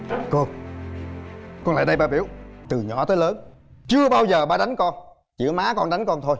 cô con lại đây ba biểu từ nhỏ tới lớn chưa bao giờ ba đánh con chỉ có má con đánh con thôi